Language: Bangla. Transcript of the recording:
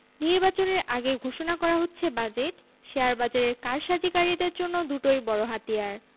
নির্বাচনের আগে ঘোষণা করা হচ্ছে বাজেট শেয়ারবাজারের কারসাজিকারীদের জন্য দুটোই বড় হাতিয়ার